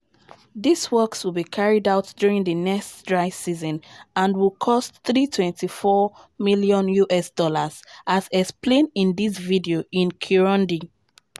These works will be carried out during the next dry season and will cost USD 324 million, as explained in this video in Kirundi.